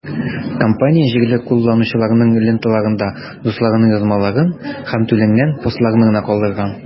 Компания җирле кулланучыларның ленталарында дусларының язмаларын һәм түләнгән постларны гына калдырган.